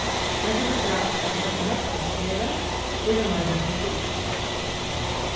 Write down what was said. men tað er nokk rætt at har sum nógv fólk ferðast verður meira tikið upp